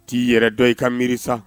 T'i yɛrɛ dɔn i ka miiri sa